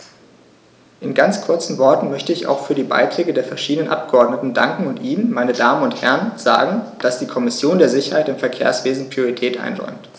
In ganz kurzen Worten möchte ich auch für die Beiträge der verschiedenen Abgeordneten danken und Ihnen, meine Damen und Herren, sagen, dass die Kommission der Sicherheit im Verkehrswesen Priorität einräumt.